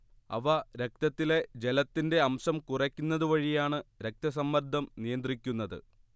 അവ രക്തത്തിലെ ജലത്തിന്റെ അംശം കുറയ്ക്കുന്നത് വഴിയാണ് രക്തസമ്മർദ്ദം നിയന്ത്രിക്കുന്നത്